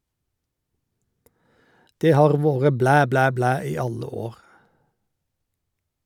Det har vore blæ, blæ, blæ i alle år.